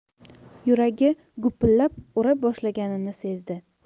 yuragi gupillab ura boshlaganini sezdi